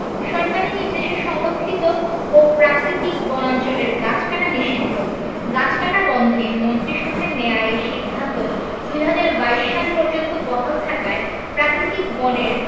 সরকারি নির্দেশে সংরক্ষিত ও প্রাকৃতিক বনাঞ্চলের গাছ কাটা নিষিদ্ধ গাছ কাটা বন্ধে মন্ত্রিসভায় নেয়া এই সিদ্ধান্ত ২০২২ সাল পর্যন্ত বহাল থাকায় প্রাকৃতিক বনের